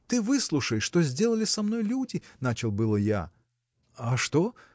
Ты выслушай, что сделали со мной люди .– начал было я. А что?